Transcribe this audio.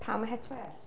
Pam y het wellt?